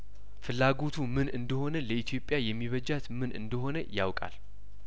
ፍላጐቱምን እንደሆነ ለኢትዮጵያየሚ በጃትምን እንደሆነ ያውቃል